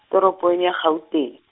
toropong ya Gauteng.